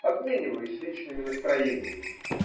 Обмениваюсь личными настроениями.